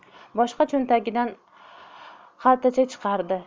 boshqa cho'ntagidan xaltacha chiqardi